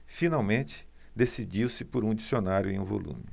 finalmente decidiu-se por um dicionário em um volume